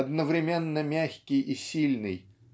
одновременно мягкий и сильный